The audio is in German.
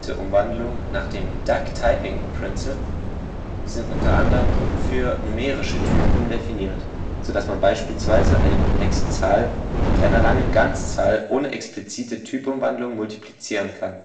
Umwandlungen nach dem Duck-Typing-Prinzip sind unter Anderem für numerische Typen definiert, so dass man beispielsweise eine komplexe Zahl mit einer langen Ganzzahl ohne explizite Typumwandlung multiplizieren kann